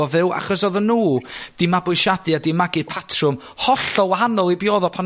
o fyw. Achos oddan nw 'di mabwysiadu a 'di magu patrwm hollol wahanol i be' odd o pan